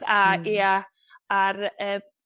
a ia a'r yy